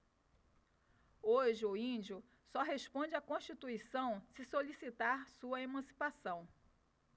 hoje o índio só responde à constituição se solicitar sua emancipação